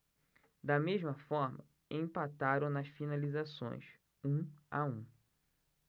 da mesma forma empataram nas finalizações um a um